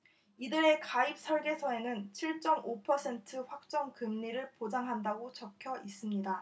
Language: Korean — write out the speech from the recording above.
이들의 가입설계서에는 칠 쩜 오 퍼센트 확정 금리를 보장한다고 적혀있습니다